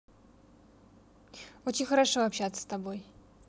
очень хорошо общаться с тобой